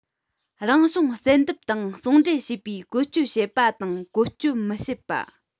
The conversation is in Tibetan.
རང བྱུང བསལ འདེམས དང ཟུང འབྲེལ བྱས པའི བཀོལ སྤྱོད བྱེད པ དང བཀོལ སྤྱོད མི བྱེད པ